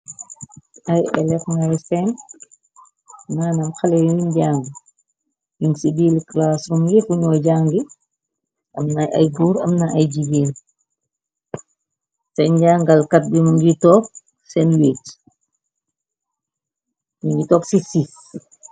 Ay elif nyi sen, naanam xale yuñ njanga, yun ci birr claas rum gi fuñoo jàngi , amna ay goor amna ay jigéen , seen njangalkat bi tok sen wicch, yungi tog ci si.